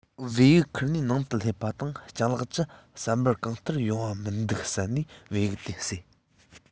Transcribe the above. བེའུ འཁུར ནས ནང དུ སླེབས པ དང སྤྱང ལགས ཀྱི བསམ པར གང ལྟར ཡོང བ མི འདུག བསམས ནས བེའུ དེ བསད